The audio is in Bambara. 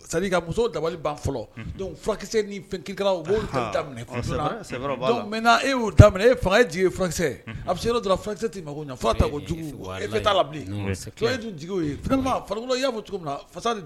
Muso dabalikisɛ y' e fanga jigi furakɛkisɛ a bɛ dɔrɔnkisɛ' mako jugu la' fɔ cogo